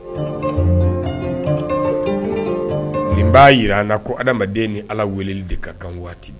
Nin ba yira an na ko adamaden ni Ala wele de ka kan waati